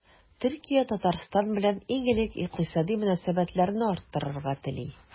Төркия Татарстан белән иң элек икътисади мөнәсәбәтләрне арттырырга тели.